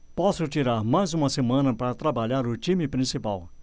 posso tirar mais uma semana para trabalhar o time principal